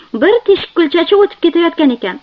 bir teshikkulchachi o'tib ketayotgan ekan